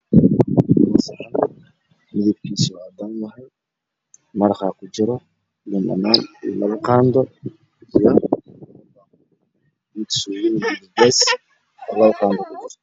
SaxanMidabkiisa cadaan waaye maraq baa ku jiro liin dhanaan labo qaando digsi oo laba qaando ku jirto